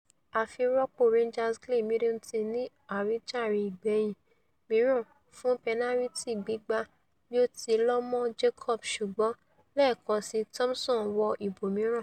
Àfirọ́pò Rangers Glenn Middleton ni àwíjàre ìgbẹ̀yìn mìíràn fún pẹnariti gbígbá bí o ti lọ́ mọ́ Jacobs ṣùgbọ́n lẹ́èkan síi Thomsom wo ibòmíràn.